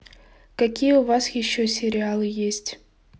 какие у вас еще сериалы есть